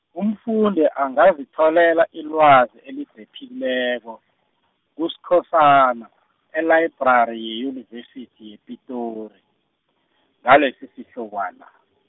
umfundi angazitholela ilwazi elidephileko, kuSkhosana, elayibrari yeyunivesithi yePitori, ngalesisihlokwana.